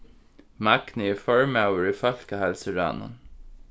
magni er formaður í fólkaheilsuráðnum